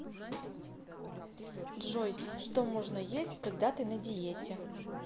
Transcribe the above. джой что можно есть когда ты на диете